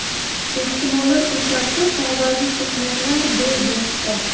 ehtimollar ko'chasi tog'dagi so'qmoqlarday behisob